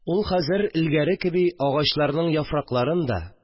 Ул хәзер, элгәре кеби, агачларның яфракларын да